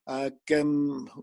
ag yym